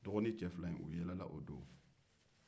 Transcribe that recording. dɔgɔnin cɛ fila in yɛlɛla o don